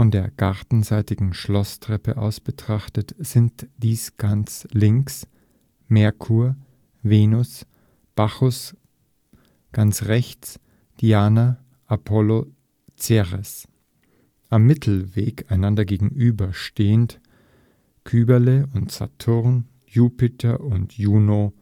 der gartenseitigen Schlosstreppe aus betrachtet sind dies ganz links: Merkur, Venus, Bacchus; ganz rechts: Diana, Apollo, Ceres; am Mittelweg einander gegenüberstehend: Kybele und Saturn, Jupiter und Juno